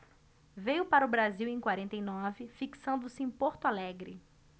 veio para o brasil em quarenta e nove fixando-se em porto alegre